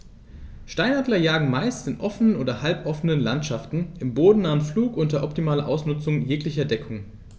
Steinadler jagen meist in offenen oder halboffenen Landschaften im bodennahen Flug unter optimaler Ausnutzung jeglicher Deckung.